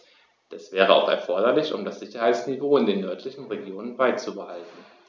Das wäre auch erforderlich, um das Sicherheitsniveau in den nördlichen Regionen beizubehalten.